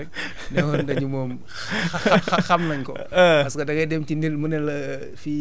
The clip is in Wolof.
waaw waaw booyal bi de comme lañ ci waxoon sànq rek ne woon nañu moom xa xam nañu ko